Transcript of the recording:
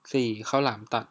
สี่ข้าวหลามตัด